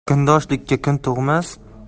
kundoshlikka kun tug'mas